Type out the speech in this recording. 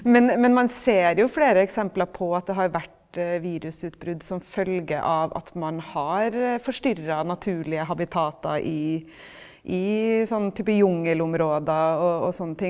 men men man ser jo flere eksempler på at det har vært virusutbrudd som følge av at man har forstyrra naturlige habitater i i sånn type jungelområder og og sånne ting.